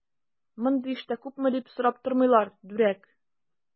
Мондый эштә күпме дип сорап тормыйлар, дүрәк!